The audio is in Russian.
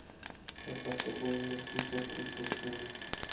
поставка боинга семьсот тридцать семь